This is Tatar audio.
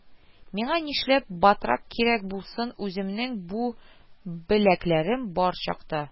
Миңа нишләп батрак кирәк булсын үземнең бу беләкләрем бар чакта